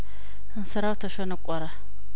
እንስራው ተሸነቆረ